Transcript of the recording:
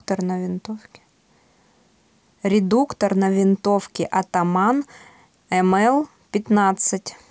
редуктор на винтовке атаман мл пятнадцать